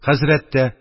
Хәзрәт тә,